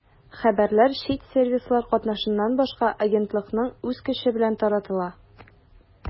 Хәбәрләр чит сервислар катнашыннан башка агентлыкның үз көче белән таратыла.